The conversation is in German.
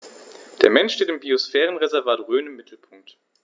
Der Mensch steht im Biosphärenreservat Rhön im Mittelpunkt.